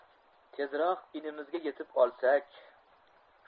tezroq inimizga yetib olsak